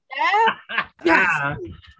Yeah? Yes.